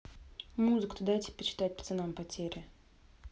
музыка то дайте почитать пацанам потеря